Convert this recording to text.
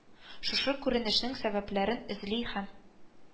Шушы күренешнең сәбәпләрен эзли һәм